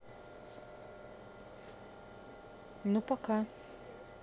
ну пока